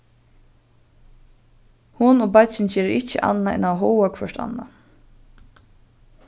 hon og beiggin gera ikki annað enn at háða hvørt annað